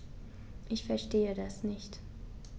Ich verstehe das nicht.